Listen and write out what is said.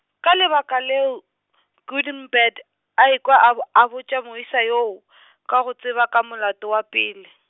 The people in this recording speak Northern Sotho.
ka lebaka leo, Good 'n Bad, a ikwa a bo, a botša moisa yoo , ka go tseba ka molato wa pele.